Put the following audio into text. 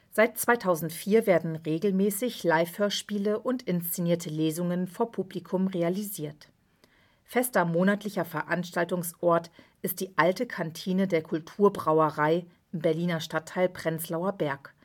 Seit 2004 werden regelmäßig Live-Hörspiele und inszenierte Lesungen vor Publikum realisiert. Fester monatlicher Veranstaltungsort ist die Alte Kantine der Kulturbrauerei im Berliner Stadtteil Prenzlauer Berg